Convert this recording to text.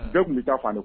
Bɛɛ tun taa faamu